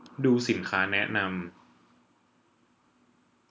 ดูสินค้าแนะนำ